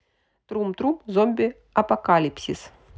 трум трум зомби апокалипсис